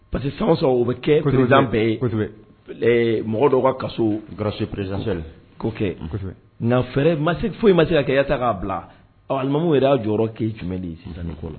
- Parce que san o san o bɛ kɛ, kosɛbɛ , president bɛɛ ye, kosɛbɛ, ɛɛ mɔgɔ dɔw ka kaso, grâce presidentielle ko kɛ, kosɛbɛ .Nka fɛrɛ, ma se, foyi ma se ka kɛ yasa k'a bila. Ɔɔ alimamuw yɛrɛ a jɔyɔrɔ jumɛn sisan ni kɔnɔ